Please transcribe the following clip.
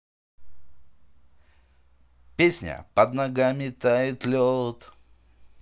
песня под ногами тает лед